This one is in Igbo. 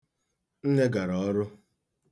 Nne gara ọrụ.